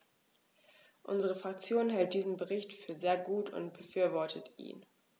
Unsere Fraktion hält diesen Bericht für sehr gut und befürwortet ihn.